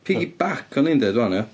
Piggyback o'n i'n deud 'wan ia?